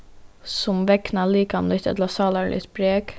sum vegna likamligt ella sálarligt brek